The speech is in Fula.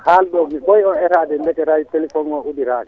kalɗo mi ɓooy ɗo atade ndekete hay téléphone o udditaki